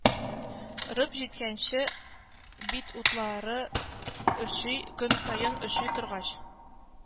Рып җиткәнче бит урталары өши, көн саен өши торгач,